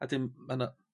A 'dyn ma' 'na